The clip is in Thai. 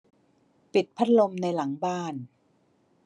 ปิดพัดลมในหลังบ้าน